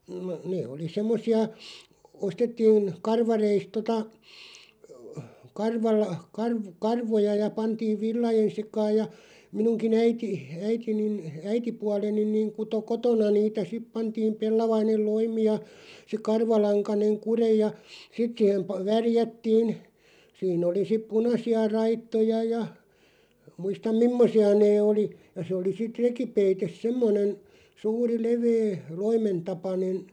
no ne oli semmoisia ostettiin karvareista tuota -- karvoja ja pantiin villojen sekaan ja minunkin äiti äitini äitipuoleni niin kutoi kotona niitä sitten pantiin pellavainen loimi ja se karvalankainen kude ja sitten siihen - värjättiin siinä oli sitten punaisia raitoja ja muista mimmoisia ne oli ja se oli sitten rekipeite semmoinen suuri leveä loimentapainen